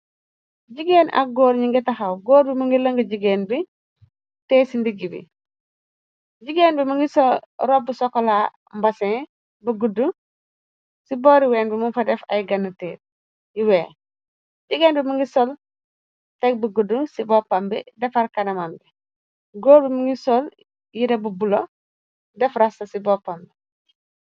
Jigeen ak góor ñi nga taxaw góor bi mi ngi lëng jigeen bi teyeh ci ndiggi bi jigeen bi mi ngi sol robb sokola mbasin bu gudd ci boori ween bi mum fa def ay ganntee yiweeh jigeen bi mi ngi sol teg bu gudd ci boppam bi defar kanamam bi góor bi mu ngi sol yire bubbulo def rasta ci boppam bi.